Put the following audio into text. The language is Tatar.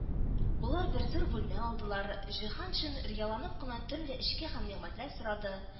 Болар бер зур бүлмә алдылар. Җиһаншин рияланып кына төрле эчке һәм нигъмәтләр сорады